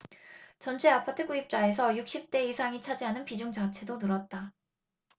전체 아파트 구입자에서 육십 대 이상이 차지하는 비중 자체도 늘었다